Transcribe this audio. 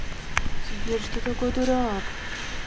сбер что такое дурак